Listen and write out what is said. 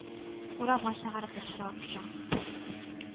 Урамга чыгарып ташларга куша.